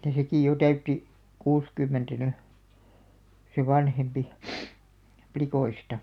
mutta sekin jo täytti kuusikymmentä nyt se vanhempi likoista